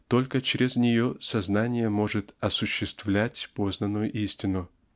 только через нее сознание может осуществлять познанную истину.